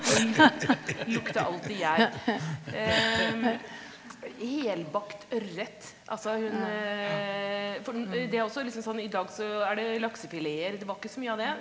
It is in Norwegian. og det lukta alltid gjær helbakt ørret, altså hun for det er også liksom sånn i dag så er det laksefileter, det var ikke så mye av det.